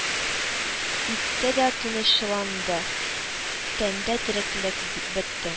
Итте дә тынычланды, тәндә тереклек бетте